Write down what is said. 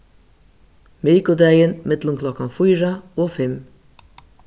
mikudagin millum klokkan fýra og fimm